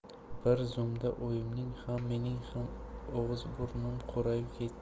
bir zumda oyimning ham mening ham og'iz burnimiz qorayib ketdi